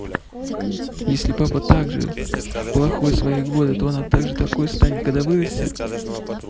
если папа такой плохие свои годы то она тоже такой стань когда вырастет